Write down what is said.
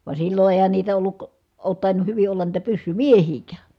vaan silloin eihän niitä ollut ole tainnut hyvin olla niitä pyssymiehiäkään